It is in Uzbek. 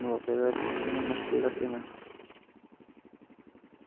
voqealar kichkina masalalar emas